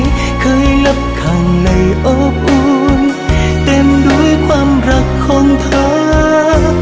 ấm áp dịu dàng vai anh em đã bao lần yên giấc